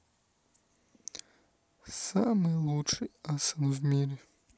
самый лучший асан в мире